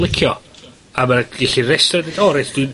...licio. A ma' 'na gellu restr, o reit dwi'n...